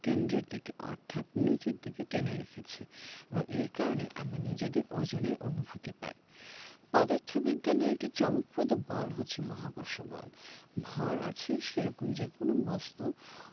কেন্দ্রের দিকে অর্থাৎ নিচের দিকে টেনে রেখেছে এবং এর কারণেই আমরা নিজেদের ওজনের অনুভূতি পাই পদার্থবিজ্ঞানের একটি চমকপ্রদ বল হচ্ছে মহাকর্ষ বল ভর আছে সেরকম যেকোনো বস্তু